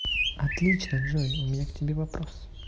отлично джой у меня к тебе вопрос